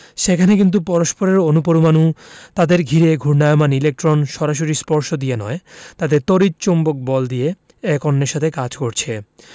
সেখানে কিন্তু পরস্পরের অণু পরমাণু তাদের ঘিরে ঘূর্ণায়মান ইলেকট্রন সরাসরি স্পর্শ দিয়ে নয় তাদের তড়িৎ চৌম্বক বল দিয়ে একে অন্যের সাথে কাজ করছে